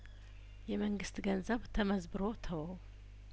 የመንግስት ገንዘብ ተመዝብሮ ተወው